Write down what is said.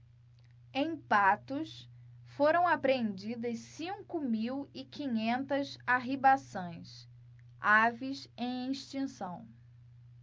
em patos foram apreendidas cinco mil e quinhentas arribaçãs aves em extinção